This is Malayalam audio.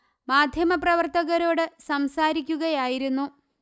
മാധ്യമ പ്രവർത്തകരോട് സംസാരിക്കുകയായിരുന്നു